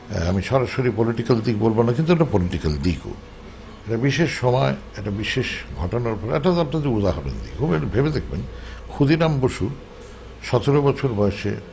আমি সরাসরি পলিটিক্যাল দিক বলবো না কিন্তু এটা পলিটিক্যাল দিকও একটা বিশেষ সময় একটা বিশেষ ঘটনার উপর আপনাকে একটি উদাহরণ দি ভেবে দেখবেন ক্ষুদিরাম বসু ১৭ বছর বয়সে